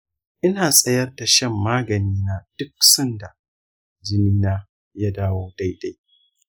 ina tsayar da shan magani na duk sanda jini na ya dawo daidai.